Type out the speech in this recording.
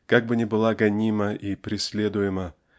как бы ни была гонима и преследуема